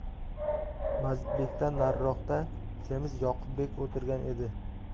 mazidbekdan nariroqda semiz yoqubbek o'tirgan edi